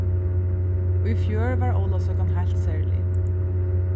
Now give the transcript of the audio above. í fjør var ólavsøkan heilt serlig